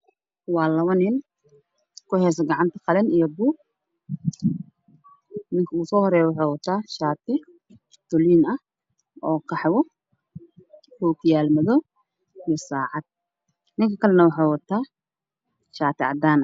Waa labo nin ku hatso gacanta qalin io buug midka usoo horeeyo wuxuu wataa shaati tolniin ah oo qaxwo ah ookiyaalo madow io saacad ninka kalena wuxuu wataa shaati cadaan ah